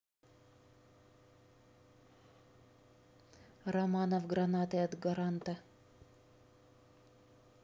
романов гранаты от гаранта